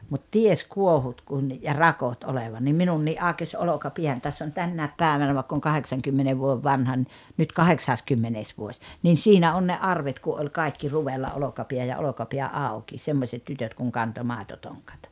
mutta tiesi kuohut kun ja rakot olevan niin minunkin aukesi olkapääni tässä on tänä päivänä vaikka olen kahdeksankymmenen vuoden vanha niin nyt kahdeksaskymmenes vuosi niin siinä on ne arvet kun oli kaikki ruvella olkapää ja olkapää auki semmoiset tytöt kun kantoi maitotonkat